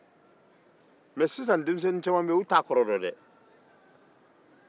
mɛ sisan denmisɛn caman bɛ yen olu t'a kɔrɔ dɔn dɛ